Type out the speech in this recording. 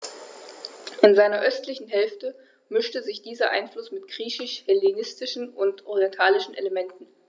In seiner östlichen Hälfte mischte sich dieser Einfluss mit griechisch-hellenistischen und orientalischen Elementen.